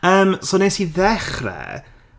Yym so wnes i ddechrau...